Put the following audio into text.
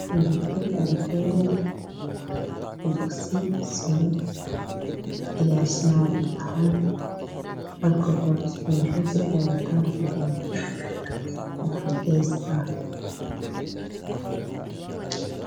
Meeshaan waxaa ka muuqdo arday dugsi sare ah oo diyaarsanayo imtixaan